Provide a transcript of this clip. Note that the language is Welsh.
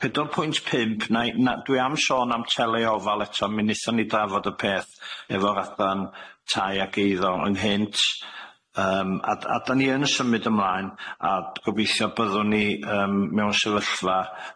Pedal pwynt pump nai- na- dwi am sôn am tele-ofal eto mi nethon ni drafod y peth efo raddan tai ag eiddo ynghynt yym a d- a dan ni yn y symud ymlaen a gobeithio byddwn ni yym mewn sefyllfa,